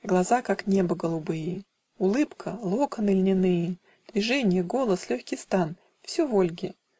Глаза, как небо, голубые, Улыбка, локоны льняные, Движенья, голос, легкий стан, Все в Ольге.